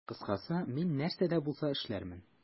Кыскасы, мин нәрсә дә булса эшләрмен.